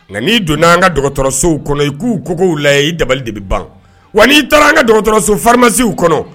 Nka n'i donna' an ka dɔgɔtɔrɔsow kɔnɔ i k'u kogow la i dabali de bɛ ban wa n'i taara an ka dɔgɔtɔrɔso farimasiw kɔnɔ